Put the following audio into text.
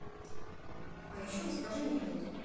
а еще расскажи анекдот